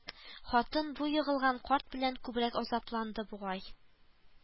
Хатын бу егылган карт белән күбрәк азапланды, бугай